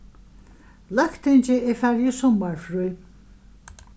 løgtingið er farið í summarfrí